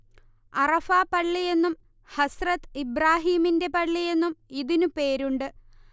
അറഫാ പള്ളിയെന്നും ഹസ്രത്ത് ഇബ്രാഹീമിന്റെ പള്ളിയെന്നും ഇതിനു പേരുണ്ട്